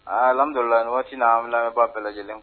Aa an dɔ la waati n' an lamɛn ba bɛɛ lajɛlen